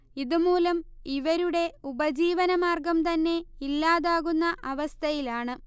ഇതുമൂലം ഇവരുടെ ഉപജീവനമാർഗം തന്നെ ഇല്ലാതാകുന്ന അവ്സഥയിലാണ്